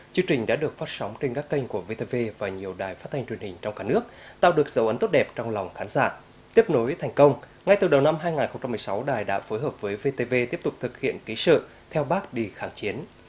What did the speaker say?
chương trình đã được phát sóng trên các kênh của vê tê vê và nhiều đài phát thanh truyền hình trong cả nước tạo được dấu ấn tốt đẹp trong lòng khán giả tiếp nối thành công ngay từ đầu năm hai ngàn không trăm mười sáu đài đã phối hợp với vê tê vê tiếp tục thực hiện ký sự theo bác đi kháng chiến